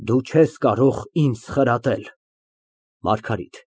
Դու չես կարող ինձ խրատել ՄԱՐԳԱՐԻՏ ֊